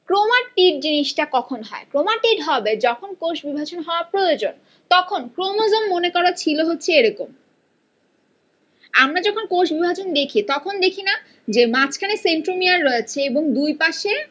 chromatid জিনিসটা কখন হয় ক্রোমাটিড হবে যখন কোষ বিভাজন হওয়া প্রয়োজন তখন ক্রোমোজোম মনে কর ছিল হচ্ছে এরকম আমরা যখন কোষ বিভাজন দেখি তখন দেখি না যে মাঝখানে সেন্ট্রোমিয়ার রয়েছে এবং দুই পাশে